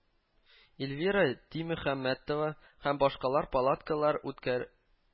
Эльвира Димөхәммәтова һәм башкалар палаткалар үткә